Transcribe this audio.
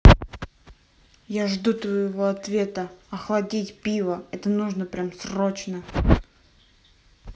я жду твоего ответа охладить пиво это нужно прямо срочно